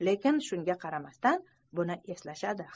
lekin shunga qaramasdan buni eslashadi